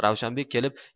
ravshanbek kelib